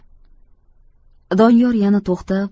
doniyor yana to'xtab